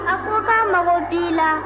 a ko k'a mago bɛ i la